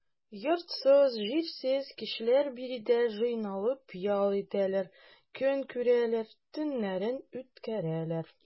Йортсыз-җирсез кешеләр биредә җыйналып ял итәләр, көн күрәләр, төннәрен үткәрәләр.